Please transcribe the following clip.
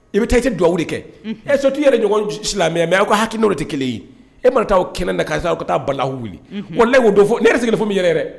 I be taa i te duwawu de kɛ unhun ɛ sotigi yɛrɛ ɲɔgɔn j silamɛ mais aw ka hakilinaw de te 1 ye e mana taa o kɛnɛna karisa aw ka taa balawu wili unhun walahi o don fo ne yɛrɛ sigilen fɔ n bi yɛrɛ yɛrɛ